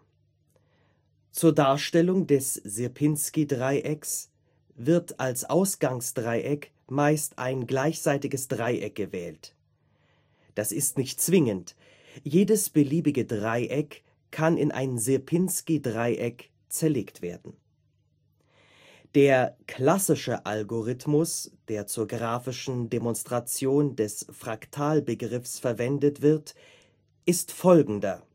Zur Darstellung des Sierpinski-Dreiecks wird als Ausgangsdreieck meist ein gleichseitiges Dreieck gewählt; das ist nicht zwingend, jedes beliebige Dreieck kann in ein Sierpinski-Dreieck zerlegt werden. Schrittweise Konstruktion des Sierpinski-Dreiecks Der „ klassische “Algorithmus, der zur grafischen Demonstration des Fraktalbegriffs verwendet wird, ist folgender